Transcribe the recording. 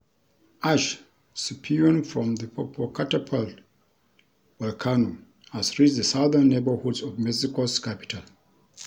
Ash spewing from the Popocatepetl volcano has reached the southern neighborhoods of Mexico's capital.